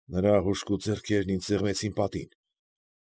Նրա հուժկու ձեռքերն ինձ սեղմեցին պատին։